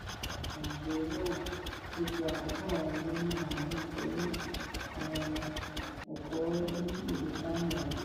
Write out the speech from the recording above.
Iṣẹ́ àkànṣe náà ti ṣe àfikún àwọn iṣẹ́ mẹ́ta mìíràn, pẹ̀lú àwọn ẹ̀kọ́ ní èdè Tamil àti Gẹ̀ẹ́sì.